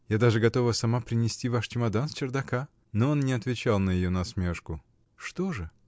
Я даже готова сама принести ваш чемодан с чердака. Он не отвечал на ее насмешку. — Что же?